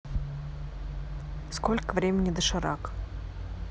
сколько время доширак